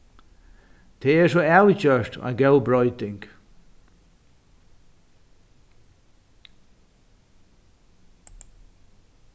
tað er so avgjørt ein góð broyting